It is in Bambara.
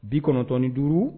95